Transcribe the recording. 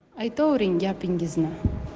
aytovring gapingizni